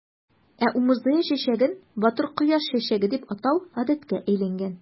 Ә умырзая чәчәген "батыр кояш чәчәге" дип атау гадәткә әйләнгән.